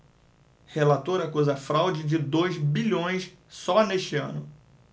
relator acusa fraude de dois bilhões só neste ano